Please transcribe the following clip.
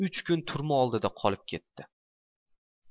uch kun turma oldida qolib ketdi